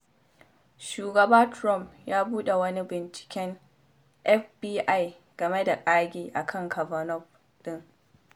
Shugaba Trump ya buɗe wani binciken FBI game da ƙage a kan Kavanaugh ɗin.